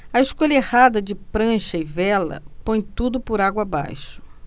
a escolha errada de prancha e vela põe tudo por água abaixo